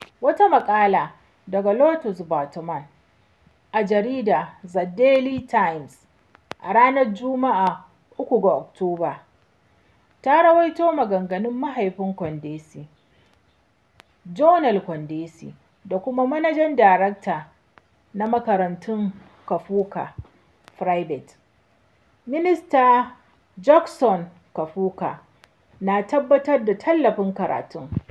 Wata maƙala daga Lucas Bottoman a jaridar The Daily Times ta ranar Jumma’a, 30 ga Oktoba, ta rawaito maganganun mahaifin Kondesi, Jonas Kondesi, da kuma Manajan Darakta na Makarantun Kaphuka Private, Mista Jackson Kaphuka, na tabbatar da tallafin karatun.